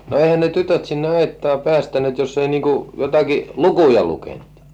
no eihän ne tytöt sinne aittaan päästäneet jos ei niin kuin jotakin lukuja lukenut